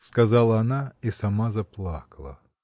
— сказала она и сама заплакала.